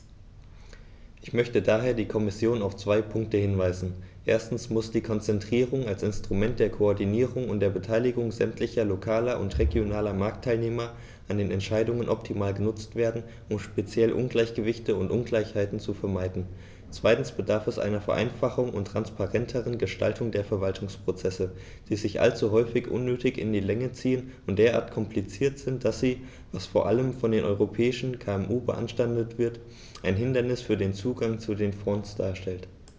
Ich möchte daher die Kommission auf zwei Punkte hinweisen: Erstens muss die Konzertierung als Instrument der Koordinierung und der Beteiligung sämtlicher lokaler und regionaler Marktteilnehmer an den Entscheidungen optimal genutzt werden, um speziell Ungleichgewichte und Ungleichheiten zu vermeiden; zweitens bedarf es einer Vereinfachung und transparenteren Gestaltung der Verwaltungsprozesse, die sich allzu häufig unnötig in die Länge ziehen und derart kompliziert sind, dass sie, was vor allem von den europäischen KMU beanstandet wird, ein Hindernis für den Zugang zu den Fonds darstellen.